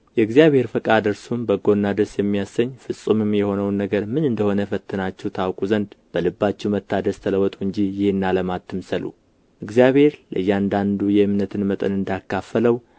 የእግዚአብሔር ፈቃድ እርሱም በጎና ደስ የሚያሰኝ ፍጹምም የሆነው ነገር ምን እንደ ሆነ ፈትናችሁ ታውቁ ዘንድ በልባችሁ መታደስ ተለወጡ እንጂ ይህን ዓለም አትምሰሉ እግዚአብሔር ለእያንዳንዱ የእምነትን መጠን እንዳካፈለው